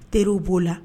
Teriw b'o la